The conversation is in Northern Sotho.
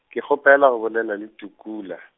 ke kgopela go bolela le Tukela.